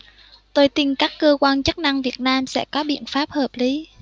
tôi tin các cơ quan chức năng việt nam sẽ có biện pháp hợp lý